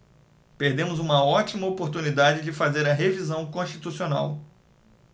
perdemos uma ótima oportunidade de fazer a revisão constitucional